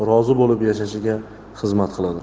bo'lib yashashiga xizmat qiladi